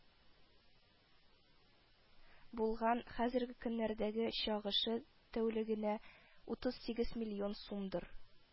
Булган, хәзерге көннәрдәге чыгышы тәүлегенә 38 миллион сумдыр